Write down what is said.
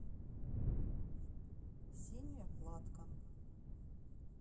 синяя платка